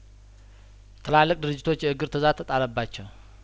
ትላልቅ ድርጅቶች የእግድ ትእዛዝ ተጣለባቸው